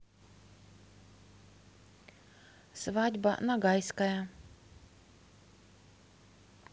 свадьба нагайская